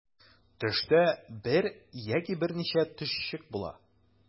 Төштә бер яки берничә төшчек була.